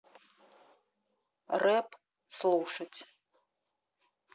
рэп слушать